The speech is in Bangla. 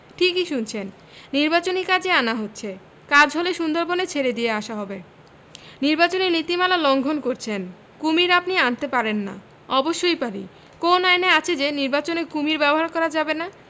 ঠিকই শুনেছেন নির্বাচনী কাজে আনা হচ্ছে কাজ হলে সুন্দরবনে ছেড়ে দিয়ে আসা হবে নিবাচনী নীতিমালা লংঘন করছেন কুমীর আপনি আনতে পারেন না অবশ্যই পারি কোন আইনে আছে যে নির্বাচনে কুমীর ব্যবহার করা যাবে না